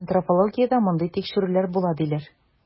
Антропологиядә мондый тикшерүләр була, диләр.